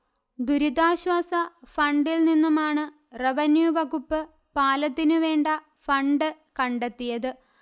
ദുരിതാശ്വാസ ഫണ്ടിൽനിന്നുമാണ് റവന്യു വകുപ്പ് പാലത്തിനുവേണ്ട ഫണ്ട് കണ്ടെത്തിയത്